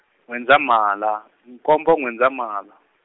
N'wendzamhala, nkombo N'wendzamhala.